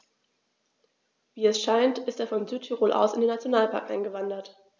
Wie es scheint, ist er von Südtirol aus in den Nationalpark eingewandert.